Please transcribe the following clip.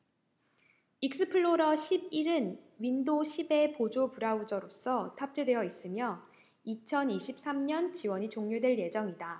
익스플로러 십 일 은 윈도 십 에 보조 브라우저로 탑재되어 있으며 이천 이십 삼 년 지원이 종료될 예정이다